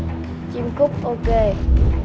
chim cút ô kê